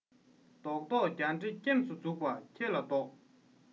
བཟློག བཟློག རྒྱ འདྲེ སྐྱེམས སུ བརྫུས པ ཁྱོད ལ བཟློག